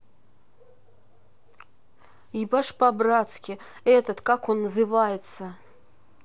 ебашь по братски этот как он называется